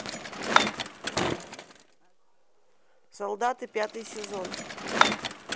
солдаты пятый сезон